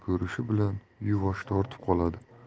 ko'rishi bilan yuvosh tortib qoladi